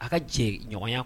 A ka jɛɲɔgɔnya